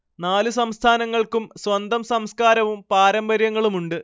നാലു സംസ്ഥാനങ്ങൾക്കും സ്വന്തം സംസ്കാരവും പാരമ്പര്യങ്ങളുമുണ്ട്